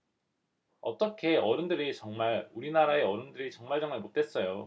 어떻게 어른들이 정말 우리나라의 어른들이 정말정말 못됐어요